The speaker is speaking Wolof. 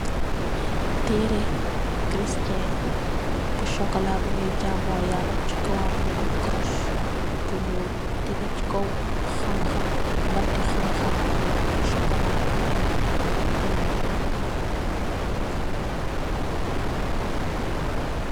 Tehreh Christien bu chocolat bu njui jahmor Yallah, chi kawam mungy am cross bu njull tehgeh chi kaw hanha banti hanha bu chocolat am aiiy tuti njull njull, chi kawam.